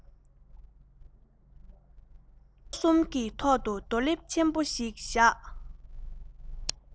རྡོ གསུམ གྱི ཐོག ཏུ རྡོ ལེབ ཆེན པོ ཞིག བཞག